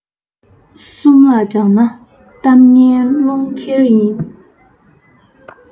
གསུམ ལ གྲགས ན གཏམ ངན རླུང ཁྱེར ཡིན